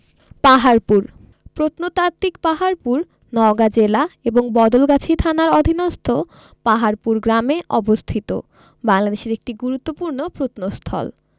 পাহাড়পুর প্রত্নতাত্ত্বিক পাহাড়পুর নওগাঁ জেলা এবং বদলগাছী থানার অধীনস্থ পাহাড়পুর গ্রামে অবস্থিত বাংলাদেশের একটি গুরুত্বপূর্ণ প্রত্নস্থল